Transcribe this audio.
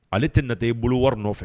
Ale tɛ nata i bolo wari nɔfɛ